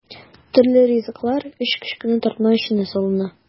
Төрле ризыклар өч кечкенә тартма эченә салына.